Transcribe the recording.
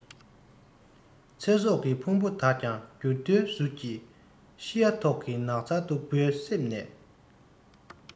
ཚེ སྲོག གི ཕུང པོ དག ཀྱང འགྱུར རྡོའི གཟུགས ཀྱིས ཤི ཡ ཐོག གི ནགས ཚལ སྟུག པོའི གསེབ ནས